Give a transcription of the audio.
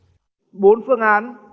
bốn phương án